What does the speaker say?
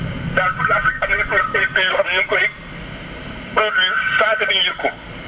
dans toute l' Afrique produire sans que nit ñi yëkk ko